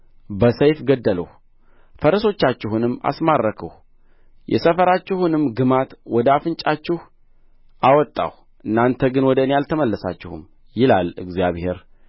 በሰይፍ ገደልሁ ፈረሶቻችሁንም አስማረክሁ የሰፈራችሁንም ግማት ወደ አፍንጫችሁ አወጣሁ እናንተ ግን ወደ እኔ አልተመለሳችሁም ይላል እግዚአብሔር